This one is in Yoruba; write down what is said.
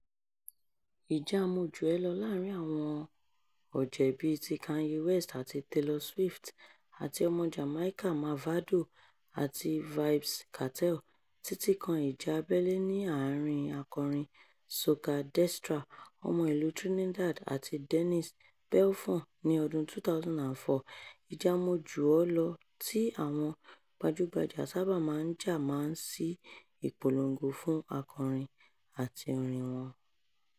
Ìjà mo jù ẹ lọ láàárín àwọn ọ̀jẹ̀ bíi ti Kanye West àti Taylor Swift àti ọmọ Jamaica Mavado àti Vybz Kartel, títí kan ìjà abẹ́lé ní àárín-in akọrin soca Destra ọmọ ìlú Trinidad àti Denise Belfon ní ọdún 2004, ìjà mo jù ọ́ lọ tí àwọn gbajúgbajà sábà máa ń já máa ń sí ìpolongo fún akọrin àti orin wọn.